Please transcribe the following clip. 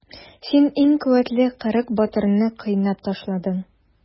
Син иң куәтле кырык батырны кыйнап ташладың.